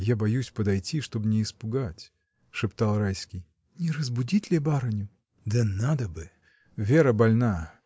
Я боюсь подойти, чтоб не испугать, — шептал Райский. — Не разбудить ли барыню? — Да, надо бы, Вера больна.